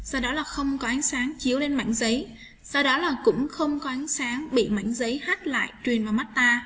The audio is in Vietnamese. không có ánh sáng chiếu lên mảnh giấy tao đó là cũng không có ánh sáng bị mảnh giấy hát lại truyền vào mắt ta